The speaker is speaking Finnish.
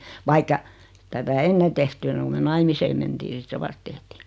vaikka ei tätä ennen tehty ennen kuin me naimisiin mentiin sitten se vasta tehtiin